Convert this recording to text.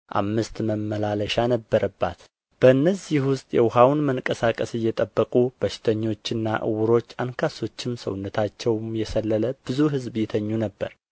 አምስትም መመላለሻ ነበረባት በእነዚህ ውስጥ የውኃውን መንቀሳቀስ እየጠበቁ በሽተኞችና ዕውሮች አንካሶችም ሰውነታቸውም የሰለለ ብዙ ሕዝብ ይተኙ ነበር